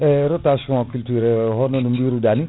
% rotation culturée honono biruɗani